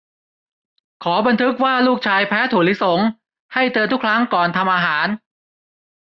ขอบันทึกว่าลูกชายแพ้ถั่วลิสงให้เตือนทุกครั้งก่อนทำอาหาร